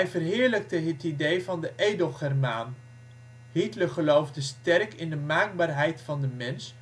verheerlijkte het idee van de ' edelgermaan '. Hitler geloofde sterk in de maakbaarheid van de mens